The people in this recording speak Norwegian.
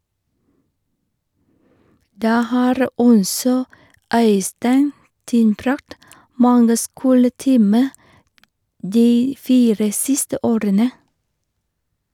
Der har også Øystein tilbrakt mange skoletimer de fire siste årene.